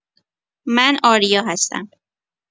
من آریا هستم.